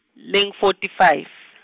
lengu fourty five.